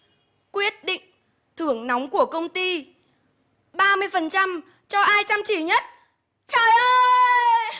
quyết định thưởng nóng của công ty phần trăm cho ai chăm chỉ nhất trời ơi